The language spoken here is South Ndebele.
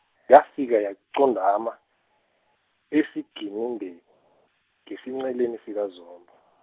yafike yaqondama, esiginindeni , ngesinceleni sikaZomba.